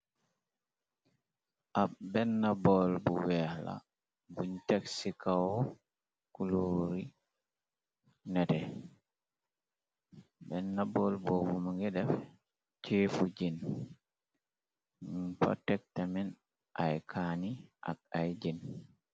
Ab benna bool bu weex la buñ teg ci kaw kuluuri nete benna bool boobu mu nga def ceefu jin nu patektamen ay kaani ak ay jin.